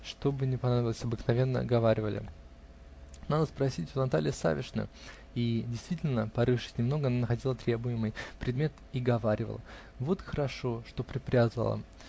Что бы ни понадобилось, обыкновенно говаривали: "Надо спросить у Натальи Савишны", -- и действительно, порывшись немного, она находила требуемый предмет и говаривала: "Вот и хорошо, что припрятала".